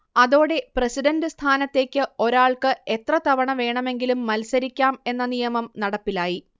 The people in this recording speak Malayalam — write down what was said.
അതോടെ പ്രസിഡന്റ് സ്ഥാനത്തേക്ക് ഒരാൾക്ക് എത്രതവണ വേണമെങ്കിലും മത്സരിക്കാം എന്ന നിയമം നടപ്പിലായി